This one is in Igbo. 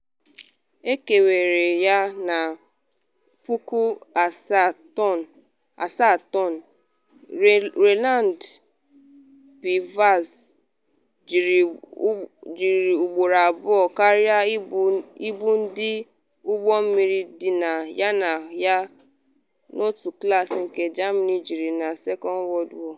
Ekwenyere na 7,000-ton “Rheinland-Pfalz jiri ugboro abụọ karịa ibu ụdị ụgbọ mmiri ndị yana ya n’otu klaasị nke ndị Germany jiri na Second World War.